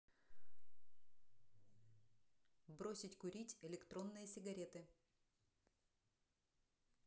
бросить курить электронные сигареты